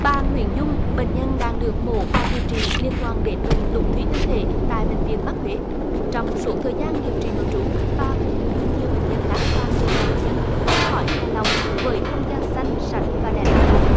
bà nguyễn dung bệnh nhân đang được mổ và điều trị liên quan đến bệnh đục thủy tinh thể tại bệnh viện mắt huế trong suốt thời gian điều trị nội trú bà cũng như nhiều bệnh nhân khác và người nhà bệnh nhân không khỏi hài lòng với không gian xanh sạch và đẹp của bệnh